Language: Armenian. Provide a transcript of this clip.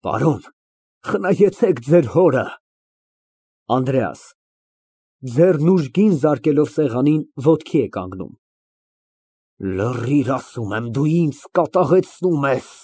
Պարոն, խնայեցեք ձեր հորը… ԱՆԴՐԵԱՍ ֊ (Ձեռն ուժգին զարկելով սեղանին, ոտքի է կանգնում) Լռիր, ասում եմ, դու ինձ կատաղեցնում ես։